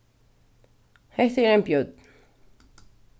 hetta er ein bjørn